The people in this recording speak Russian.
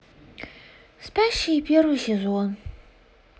спящие первый сезон